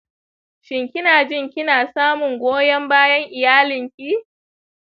shin kina jin kina samun goyon bayan iyalin ki?